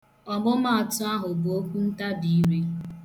Ọmụmaatụ ahụ bụ okwuntabire